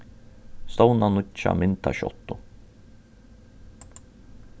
stovna nýggja myndaskjáttu